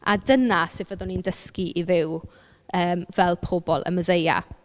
A dyna sut fyddwn ni'n dysgu i fyw yym fel pobl y Meseia.